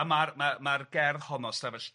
A ma'r ma' ma'r gerdd honno 'Ystafell